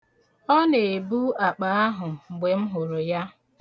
Ọ na-ebu akpa ahụ mgbe m hụrụ ya.